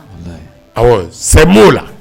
Walahi, awɔ, ces mots là